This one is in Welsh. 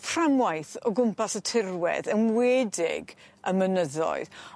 fframwaith o gwmpas y tirwedd enwedig y mynyddoedd.